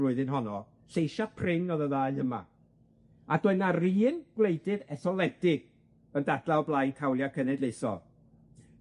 flwyddyn honno, lleisia' prin o'dd y ddau yma, a doe' 'na'r un gwleidydd etholedig yn dadla' o blaid hawlia' cenedlaethol.